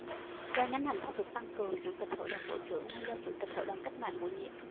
do nhánh hành pháp được tăng cường chủ tịch hội đồng bộ trưởng nay do chủ tịch hội đồng cách mạng bổ nhiệm